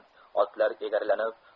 otlar egarlanib